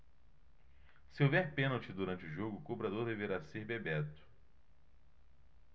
se houver pênalti durante o jogo o cobrador deverá ser bebeto